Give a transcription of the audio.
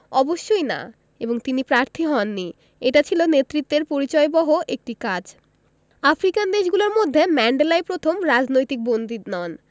অবশ্যই না এবং তিনি প্রার্থী হননি এটা ছিল নেতৃত্বের পরিচয়বহ একটি কাজ আফ্রিকান দেশগুলোর মধ্যে ম্যান্ডেলাই প্রথম রাজনৈতিক বন্দী নন